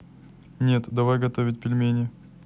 нет давай готовить пельмени